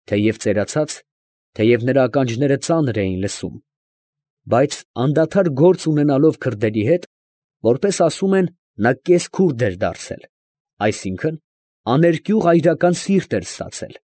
Թեև ծերացած, թեև նրա ականջները ծանր էին լսում, բայց անդադար գործ ունենալով քրդերի հետ, որպես ասում են, նա «կես֊քուրդ» էր դարձել, այսինքն՝ աներկյուղ այրական սիրտ էր ստացել։